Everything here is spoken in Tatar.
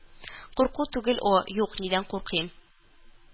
Курку түгел о, юк, нидән куркыйм